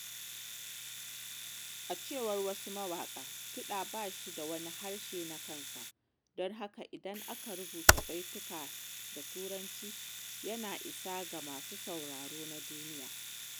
A cewar wasu mawaƙa, kiɗa ba shi da wani harshe na kansa, don haka idan aka rubuta baitukan da Turanci, yana isa ga masu sauraro na duniya.